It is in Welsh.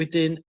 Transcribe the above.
wedyn